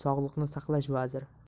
sog'liqni saqlash vaziri